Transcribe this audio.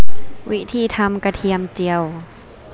วิธีทำกระเทียมเจียว